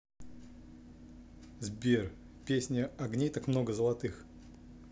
сбер песня огней так много золотых